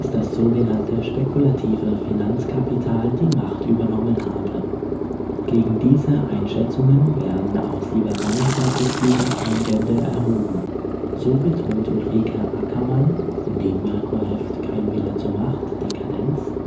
das sogenannte „ spekulative Finanzkapital “die Macht übernommen habe.. Gegen diese Einschätzungen werden aus liberaler Perspektive Einwände erhoben. So betont Ulrike Ackermann (in dem Merkur-Heft Kein Wille zur Macht – Dekadenz